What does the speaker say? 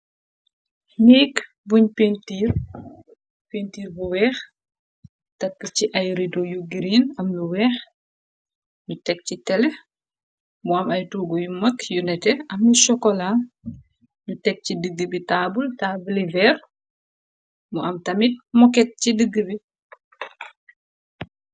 Niik buñ pintiir bu weex takk ci ay rideo yu giriine am lu weex nu teg ci téle mu am ay tuugu yu mëg yu nete amni chocola nu teg ci digg bi taabul taabliver mu am tamit moket ci diggi bi.